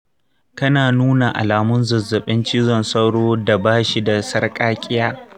kana nuna alamun zazzaɓin cizon sauro da bashi da sarƙaƙiya.